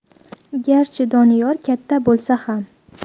garchi doniyor katta bo'lsa xam